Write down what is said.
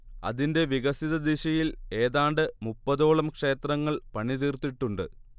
അതിന്റെ വികസിതദശയിൽ ഏതാണ്ട് മുപ്പതോളം ക്ഷേത്രങ്ങൾ പണിതീർത്തിട്ടുണ്ട്